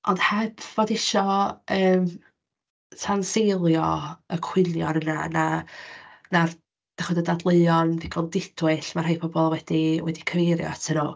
Ond heb fod isio yym tanseilio y cwynion yna na... na'r, dach chibod, y dadleuon ddigon didwyll ma' rhai pobl wedi wedi cyfeirio atyn nhw.